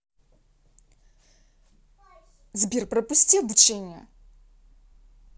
сбер пропусти обучение